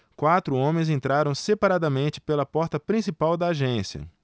quatro homens entraram separadamente pela porta principal da agência